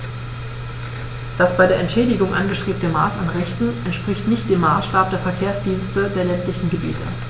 Das bei der Entschädigung angestrebte Maß an Rechten entspricht nicht dem Maßstab der Verkehrsdienste der ländlichen Gebiete.